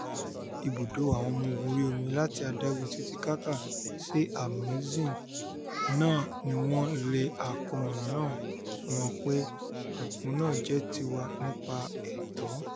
Àwọn ibùdó àwọn ọmọ ogun orí-omi láti adágún Titicaca sí Amazon náà ni wọ́n lẹ àkọmọ̀nà náà mọ́pé: ''Òkun náà jẹ́ tiwa nípa ẹ̀tọ́.